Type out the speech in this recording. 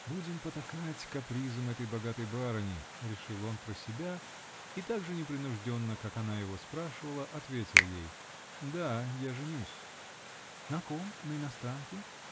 "Будем потакать капризам этой богатой барыни", -- решил он про себя -- и так же непринужденно, как она его спрашивала, ответил ей: -- Да, я женюсь. -- На ком? На иностранке?